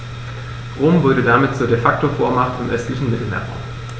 Rom wurde damit zur ‚De-Facto-Vormacht‘ im östlichen Mittelmeerraum.